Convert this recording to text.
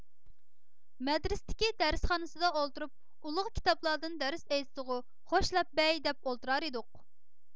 مەدرىستىكى دەرسخانىسىدا ئولتۇرۇپ ئۇلۇغ كىتابلاردىن دەرس ئېيتسىغۇ خوش لەببەي دەپ ئولتۇرار ئىدۇق